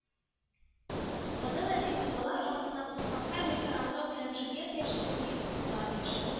Монда да биек дуваллар артыннда поскан һәр йортта Ромео белән Джульетта яшендәге егет-кызлар яши